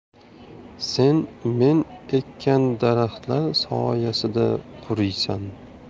sen men ekkan daraxtlar soyasida quriysan